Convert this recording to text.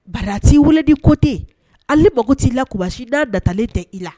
Bati weledi kote ale npogo t'i la kubasi da datalilen tɛ i la